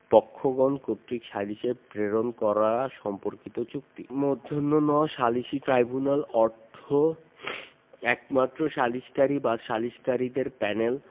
পক্ষগণ কর্তৃক সালিসে প্রেরণ করা সম্পর্কিত চুক্তি ণ সালিসী ট্রাইব্যুনাল অর্থ একমাত্র সালিসকারী বা সালিসকারীদের প্যানেল